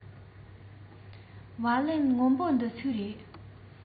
བ ལན སྔོན པོ འདི སུའི རེད